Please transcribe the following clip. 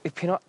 dipyn o